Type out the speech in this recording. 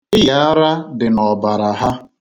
Ịyị ara dị n'ọbara ha.